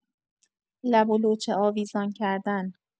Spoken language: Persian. لب ولوچه آویزان کردن